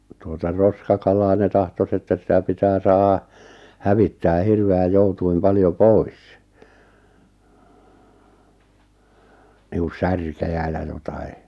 tuota roskakalaa ne tahtoisi että sitä pitää saada hävittää hirveän joutuin paljon pois niin kuin särkiä ja jotakin